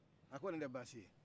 a ko nin tɛ baasi ye